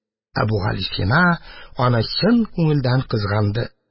Әбүгалисина аны чын күңелдән кызганды